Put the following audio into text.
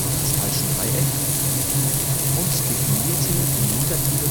Pascalsches Dreieck) und definierte die Negative Binomialverteilung